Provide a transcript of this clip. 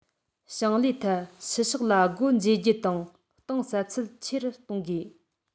ཞིང ལས ཐད ཕྱི ཕྱོགས ལ སྒོ འབྱེད རྒྱ དང གཏིང ཟབ ཚད ཆེ རུ གཏོང དགོས